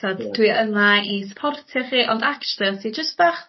t'od dwi yma i syportio chiporth ond actually o ti jyst bach